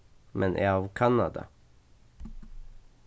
men eg havi kannað tað